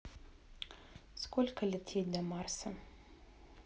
сколько лететь до марса